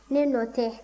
ne nɔ tɛ